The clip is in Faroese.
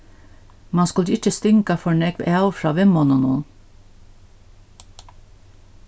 mann skuldi ikki stinga for nógv av frá vinmonnunum